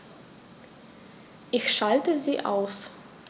Ich schalte sie aus.